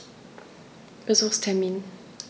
Besuchstermin